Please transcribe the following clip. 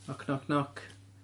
Knock knock knock.